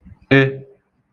e